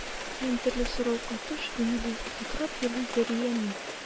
Мең төрле сорау катыш күңеле сыкрап елый Зәриянең.